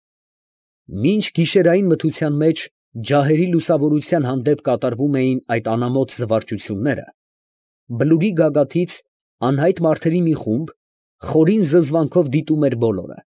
Մինչ գիշերային մթության մեջ, ջահերի լուսավորության հանդեպ կատարվում էին այդ անամոթ զվարճությունները, բլուրի գագաթից անհայտ մարդերի մի խումբ խորին զզվանքով դիտում էր բոլորը։